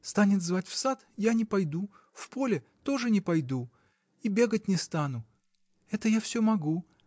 Станет звать в сад, я не пойду, в поле — тоже не пойду и бегать не стану. Это я всё могу.